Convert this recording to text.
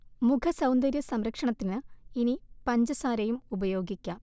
മുഖ സൗന്ദര്യ സംരക്ഷണത്തിന് ഇനി പഞ്ചസാരയും ഉപയോഗിക്കാം